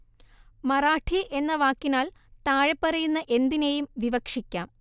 മറാഠി എന്ന വാക്കിനാൽ താഴെപ്പറയുന്ന എന്തിനേയും വിവക്ഷിക്കാം